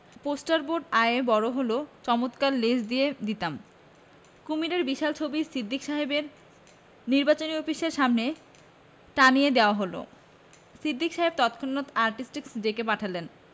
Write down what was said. poster board আয়ে বড় হলে চমৎকার লেজ দিয়ে দিতাম কুশীবের বিশাল ছবি সিদ্দিক সাহেবের নির্বাচনী অফিসের সামনে টানিয়ে দেয়া হল সিদ্দিক সাহেব তৎক্ষণাৎ আর্টিস্টকে ডেকে পাঠালেন